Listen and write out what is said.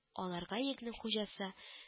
Аларга йөкнең хуҗасы